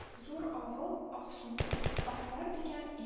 Зур авыл Аксуның, Сакмар, дигән